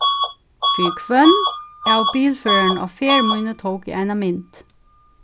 fyri hvønn av bilførarunum á ferð míni tók eg eina mynd